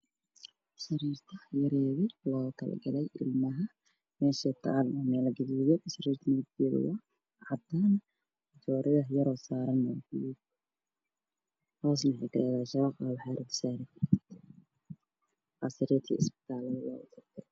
Waxaa ii muuqda sariirta caruurta iyo riyadh oo midabkoodu yahay cadaan waxaa ku dhax jiro joodari buluug ah